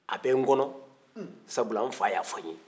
a bɛ n kɔnɔ sabula n fa y'a fɔ n ye